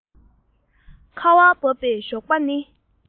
ཁ བ བབས པའི ཞོགས པ ནི